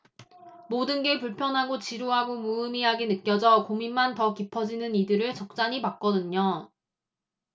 모든 게 불편하고 지루하고 무의미하게 느껴져 고민만 더 깊어지는 이들을 적잖이 봤거든요